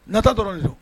Nata dɔrɔn don